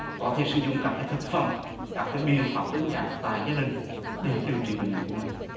có thể sử dụng các thực phẩm các cái biện pháp đơn giản tại gia đình để điều trị bệnh lý của mình